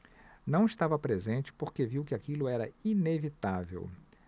não estava presente porque viu que aquilo era inevitável